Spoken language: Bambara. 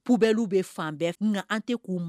Pbɛn bɛ fan bɛɛ an tɛ k'u